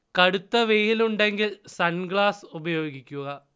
കടുത്ത വെയിൽ ഉണ്ടെങ്കിൽ സൺ ഗ്ലാസ് ഉപയോഗിക്കുക